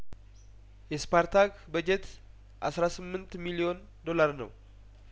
የስፓርታክ በጀት አስራ ስምንት ሚሊዮን ዶላር ነው